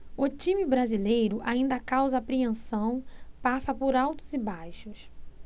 o time brasileiro ainda causa apreensão passa por altos e baixos